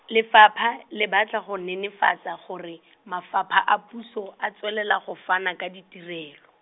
Lefapha, le batla go nenefatsa gore, mafapha a puso a tswelela go fana ka ditirelo.